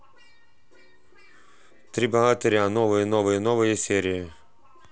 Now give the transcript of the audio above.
три богатыря новые новые новые серии